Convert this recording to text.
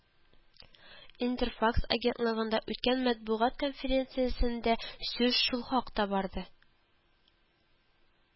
Интерфакс агентлыгында үткән матбугат конференциясендә сүз шул хакта барды